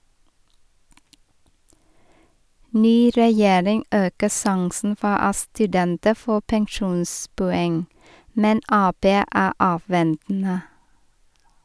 Ny regjering øker sjansen for at studenter får pensjonspoeng, men Ap er avventende.